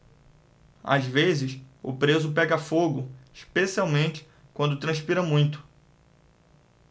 às vezes o preso pega fogo especialmente quando transpira muito